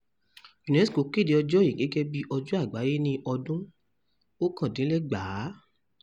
UNESCO kéde ọjọ́ yìí gẹ́gẹ́ bíi Ọjọ́ Àgbáyé ní ọdún 1999.